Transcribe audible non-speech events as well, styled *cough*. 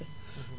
*hesitation* *hesitation*